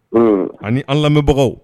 Ani ala lamɛnbagaw